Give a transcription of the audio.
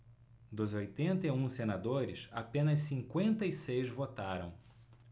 dos oitenta e um senadores apenas cinquenta e seis votaram